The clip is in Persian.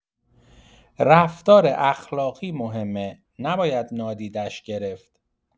رفتار اخلاقی مهمه، نباید نادیده‌اش گرفت.